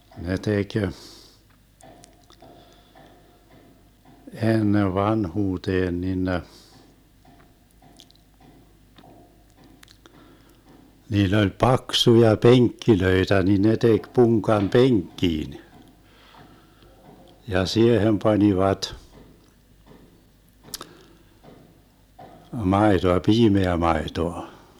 ne teki ennen vanhuuteen niin ne niillä oli paksuja penkkejä niin ne teki punkan penkkiin ja siihen panivat maitoa piimää maitoa